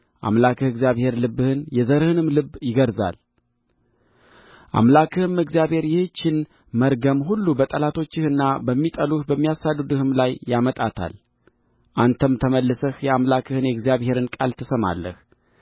አምላክህ እግዚአብሔር ልብህን የዘርህንም ልብ ይገርዛል አምላክህም እግዚአብሔር ይህችን መርገም ሁሉ በጠላቶችህና በሚጠሉህ በሚያሳድዱህም ላይ ያመጣታል አንተም ተመልሰህ የአምላክህን የእግዚአብሔርን ቃል ትሰማለህ